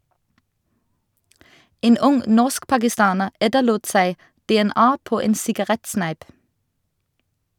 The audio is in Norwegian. En ung norsk-pakistaner etterlot seg DNA på en sigarettsneip.